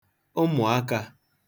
ụmụ̀akā